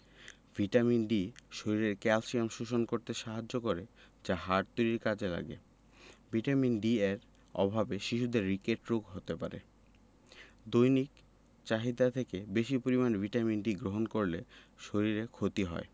vitamin D শরীরে calcium শোষণ করতে সাহায্য করে যা হাড় তৈরীর কাজে লাগে ভিটামিন D এর অভাবে শিশুদের রিকেট রোগ হতে পারে দৈনিক চাহিদা থেকে বেশী পরিমাণে ভিটামিন D গ্রহণ করলে শরীরের ক্ষতি হয়